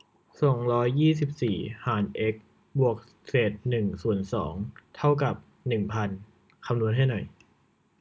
สองร้อยยี่สิบสี่หารเอ็กซ์บวกเศษหนึ่งส่วนสองเท่ากับหนึ่งพันคำนวณให้หน่อย